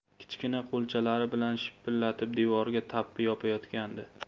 kichkina qo'lchalari bilan shipillatib devorga tappi yopayotgandi